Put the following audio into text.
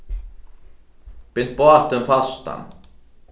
bint bátin fastan